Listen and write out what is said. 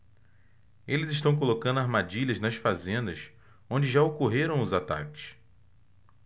eles estão colocando armadilhas nas fazendas onde já ocorreram os ataques